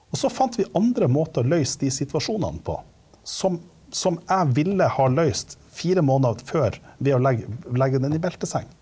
og så fant vi andre måter å løyse de situasjonene på som som jeg ville ha løyst fire måneder før ved å legge legge den i belteseng.